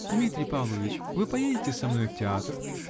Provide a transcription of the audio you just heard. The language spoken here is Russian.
-- Дмитрий Павлович, вы поедете со мной в театр?